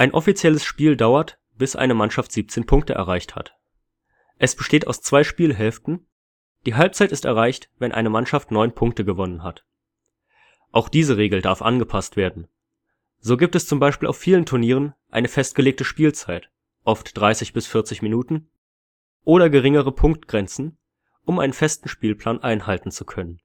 offizielles Spiel dauert, bis eine Mannschaft 17 Punkte erreicht hat. Es besteht aus 2 Spielhälften, die Halbzeit ist erreicht, wenn eine Mannschaft 9 Punkte gewonnen hat. Auch diese Regel darf angepasst werden, so gibt es zum Beispiel auf vielen Turnieren eine festgelegte Spielzeit (oft 30 – 40 Minuten) oder geringere Punktgrenzen, um einen festen Spielplan einhalten zu können